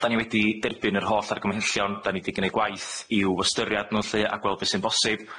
'Da ni wedi derbyn yr holl argymhellion. 'Da ni 'di gneud gwaith i'w ystyriad nw lly, a gweld be' sy'n bosib,